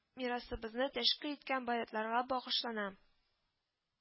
Мирасыбызны тәшкил иткән балетларга багышлана